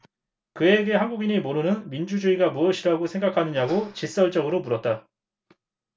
그에게 한국인이 모르는 민주주의가 무엇이라고 생각하느냐고 직설적으로 물었다